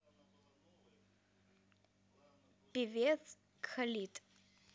певец khalid